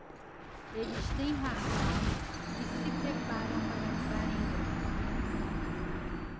eles têm razão e se preparam para entrar em greve